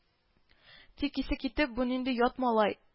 Тик исе китеп, бу нинди ят малай